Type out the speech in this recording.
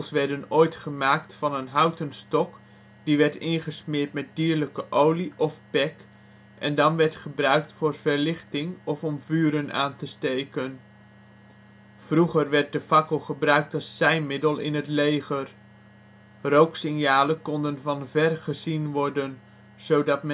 werden ooit gemaakt van een houten stok die werd ingesmeerd met dierlijke olie of pek, en dan werd gebruikt voor verlichting of om vuren aan te steken. Vroeger werd de fakkel gebruikt als seinmiddel in het leger. Rooksignalen konden van ver gezien worden zodat